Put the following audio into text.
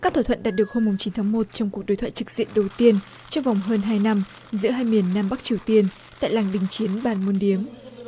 các thỏa thuận đạt được hôm mùng chín tháng một trong cuộc đối thoại trực diện đầu tiên trong vòng hơn hai năm giữa hai miền nam bắc triều tiên tại làng đình chiến bàn môn điếm